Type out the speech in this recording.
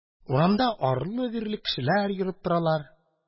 Урамда арлы-бирле кешеләр йөреп торалар.